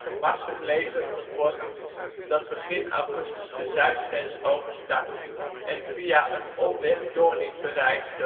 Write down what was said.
machtig leger gevormd, dat begin augustus de zuidgrens overstak en via een omweg Doornik bereikte